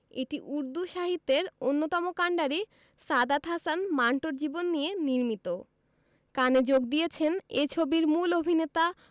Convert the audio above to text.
এটি উর্দু সাহিত্যের অন্যতম কান্ডারি সাদাত হাসান মান্টোর জীবন নিয়ে নির্মিত কানে যোগ দিয়েছেন এ ছবির মূল অভিনেতা